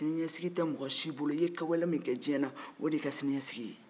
siniɲɛsigi tɛ mɔgɔ si bolo i ye wale min kɛ diɲɛ na o de y'i ka siniɲɛsigi ye